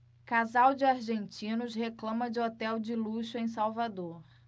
casal de argentinos reclama de hotel de luxo em salvador